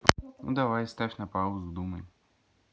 ну давай ставь на паузу думай